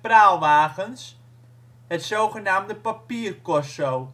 praalwagens, het zogenaamde papiercorso.